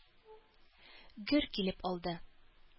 Гөр килеп алды.